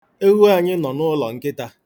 Ewu anyị nọ n'ụlọnkịta.